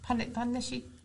Pan ne- pan nesh i